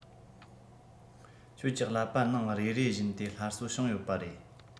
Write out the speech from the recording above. ཁྱོད ཀྱི ཀླད པ ནང རེ རེ བཞིན དེ སླར གསོ བྱུང ཡོད པ རེད